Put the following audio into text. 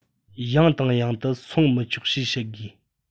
ཡང དང ཡང དུ སོང མི ཆོག ཞེས བཤད དགོས